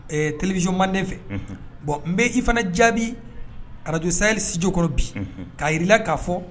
Télévision mande fɛ bon n bɛ i fana jaabi radio sayeli studio kɔnɔ bi k kaa jira i la k'a fɔ